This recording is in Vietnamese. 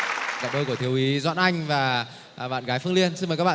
đôi của thiếu úy doãn anh và bạn gái phương liên xin mời các bạn